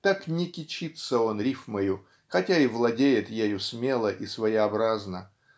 так не кичится он рифмою, хотя и владеет ею смело и своеобразно,